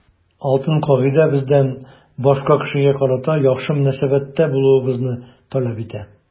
Алтын кагыйдә бездән башка кешегә карата яхшы мөнәсәбәттә булуыбызны таләп итә.